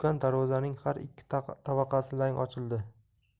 darvozaning har ikki tavaqasi lang ochildi